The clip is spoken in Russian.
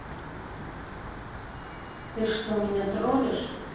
ты что меня троллишь